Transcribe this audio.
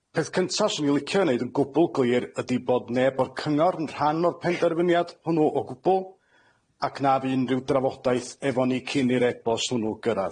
Peth cynta 'swn i licio neud yn gwbwl glir ydi bod neb o'r cyngor yn rhan o'r penderfyniad hwnnw o gwbwl, ac na fu unrhyw drafodaeth efo ni cyn i'r e-bost hwnnw gyrradd.